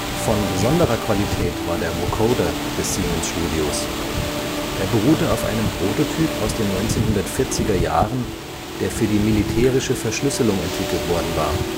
Von besonderer Qualität war der Vocoder des Siemens-Studios. Er beruhte auf einem Prototyp aus den 1940er Jahren, der für die militärische Verschlüsselung entwickelt worden war